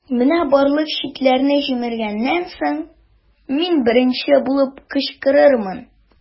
Менә барлык чикләрне җимергәннән соң, мин беренче булып кычкырырмын.